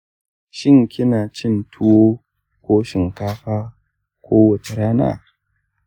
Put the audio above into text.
shin kina cin tuwo ko shinkafa kowace rana?